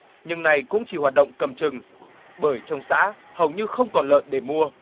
nhưng nay cũng chỉ hoạt động cầm chừng bởi trong xã hầu như không còn lợn để mua